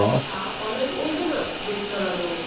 ha onang o'ldimi deb so'radi u